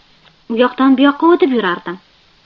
u yoqdan bu yoqqa o'tib yurardim